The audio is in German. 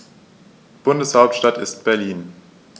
Bundeshauptstadt ist Berlin.